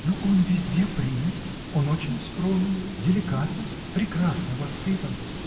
— Но он везде принят, он очень скромен, деликатен, прекрасно воспитан.